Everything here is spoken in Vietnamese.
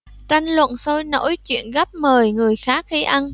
tranh luận sôi nổi chuyện gắp mời người khác khi ăn